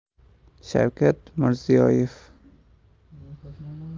shavkat mirziyoyev